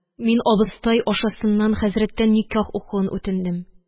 Мин абызтай ашасыннан хәзрәттән никях укуын үтендем